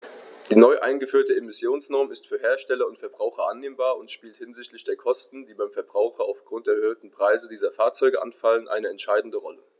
Die neu eingeführte Emissionsnorm ist für Hersteller und Verbraucher annehmbar und spielt hinsichtlich der Kosten, die beim Verbraucher aufgrund der erhöhten Preise für diese Fahrzeuge anfallen, eine entscheidende Rolle.